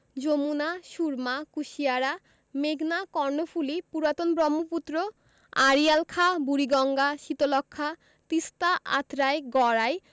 যমুনা সুরমা কুশিয়ারা মেঘনা কর্ণফুলি পুরাতন ব্রহ্মপুত্র আড়িয়াল খাঁ বুড়িগঙ্গা শীতলক্ষ্যা তিস্তা আত্রাই গড়াই